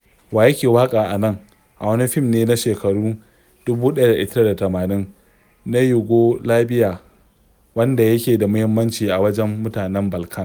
Wa yake Waƙa A nan? wani fim ne na shekarun 1980 na Yugolabiya wanda yake da muhimmanci a wajen mutanen Balkan.